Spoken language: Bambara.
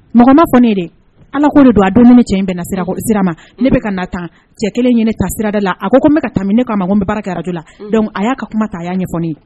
Mɔgɔ ma kɔni ala k'o de don a dumuni cɛ in bɛnna sira ma ne bɛka ka na tan cɛ kelen ɲini ta sirada la a ko bɛka ka taa tɛmɛ ne ma ko n bɛ baara kɛrato la dɔn a y'a ka kuma ta a y'a ɲɛ ɲɛfɔ ye